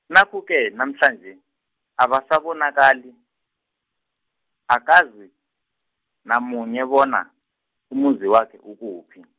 nakhu-ke namhlanje, abasabonakali, akazi, namunye bona, umuzi wakhe ukuphi.